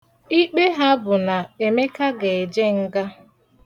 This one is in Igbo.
Ikpe ha bụ na Emeka ga-eje nga.